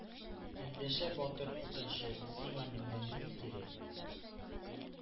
Эндәшә батыр утынчы: «Сиңа миннән ни кирәк?»